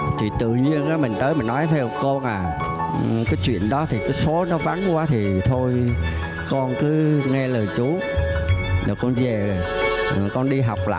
thì tự nhiên á mình tới mình nói theo con à cái chuyện đó thì cái số nó vắn quá thì thôi con cứ nghe lời chú giờ con về con đi học lại